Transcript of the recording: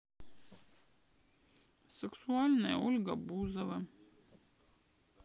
сексуальная ольга бузова